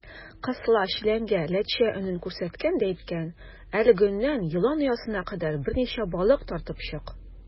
Кысла челәнгә ләтчә өнен күрсәткән дә әйткән: "Әлеге өннән елан оясына кадәр берничә балык таратып чык".